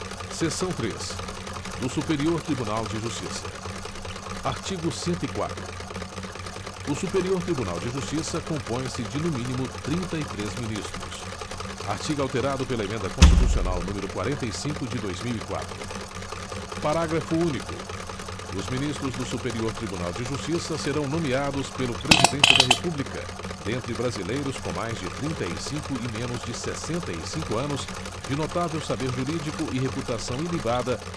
seção três do superior tribunal de justiça artigo cento e quatro o superior tribunal de justiça compõe se de no mínimo trinta e três ministros artigo alterado pela emenda constitucional número quarenta e cinco de dois mil e quatro parágrafo único os ministros do superior tribunal de justiça serão nomeados pelo presidente da república dentre brasileiros com mais de trinta e cinco e menos de sessenta e cinco anos de notável saber jurídico e reputação ilibada